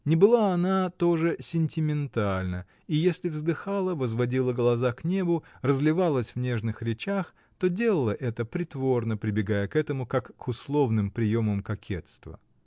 Не была она тоже сентиментальна, и если вздыхала, возводила глаза к небу, разливалась в нежных речах, то делала это притворно, прибегая к этому как к условным приемам кокетства.